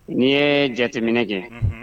N' ye jateminɛ kɛ